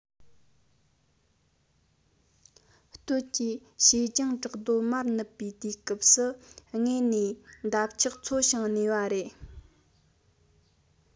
སྟོད ཀྱི བྱེ ལྗང བྲག རྡོ མར ནུབ པའི དུས སྐབས སུ དངོས གནས འདབ ཆགས འཚོ ཞིང གནས པ རེད